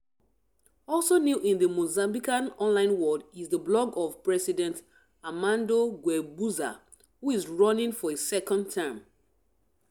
Also new in the Mozambican online world is the blog of President Armando Guebuza, who is running for a second term.